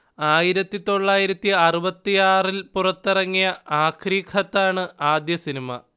ആയിരത്തിതൊള്ളായിരത്തിഅറുപത്തിയാറിൽ പുറത്തിറങ്ങിയ 'ആഖ്രി ഖത്താ' ണ് ആദ്യ സിനിമ